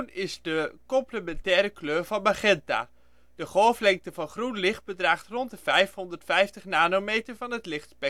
is de complementaire kleur van magenta. De golflengte van groen licht bedraagt rond 550 nanometer van het lichtspectrum. Groen